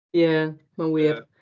Ie, mae'n wir.